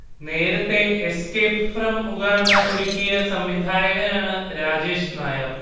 നേരത്തെ 'escape from Uganda' ഒരുക്കിയ സംവിധായകനാണ് രാജേഷ് നായർ